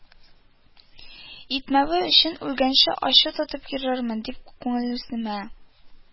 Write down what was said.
Итмәве өчен үлгәнче ачу тотып йөрермен, дип күңелемә